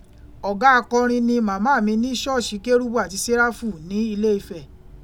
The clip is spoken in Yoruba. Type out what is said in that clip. Ọ̀gá akọrin ni màmá mi ní ṣọ́ọ̀ṣì Kérúbù àti Séráfù ní Ilé Ifẹ̀.